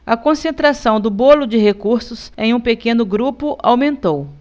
a concentração do bolo de recursos em um pequeno grupo aumentou